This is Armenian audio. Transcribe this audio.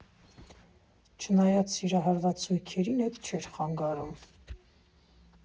Չնայած սիրահարված զույգերին էտ չէր խանգարում։